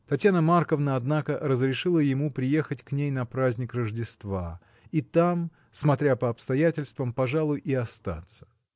Татьяна Марковна, однако, разрешила ему приехать к ней на праздник Рождества, и там, смотря по обстоятельствам, пожалуй, и остаться.